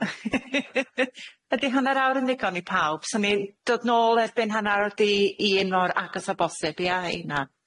Ydi hanner awr yn ddigon i pawb? Syn ni'n dod nôl erbyn hannar awr 'di un, mor agos â bosib, ia, i hynna.